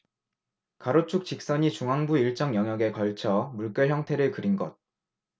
가로축 직선이 중앙부 일정 영역에 걸쳐 물결 형태를 그린 것